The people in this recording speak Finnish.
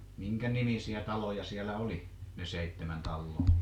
minkä nimisiä taloja siellä oli ne seitsemän taloa